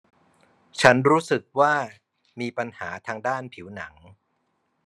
ฉันรู้สึกว่ามีปัญหาทางด้านผิวหนัง